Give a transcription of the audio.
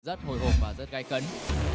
rất hồi hộp và rất gay cấn